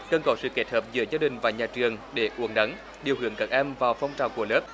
cần có sự kết hợp giữa gia đình và nhà trường để cố gắng điều khiển các em vào phong trào của lớp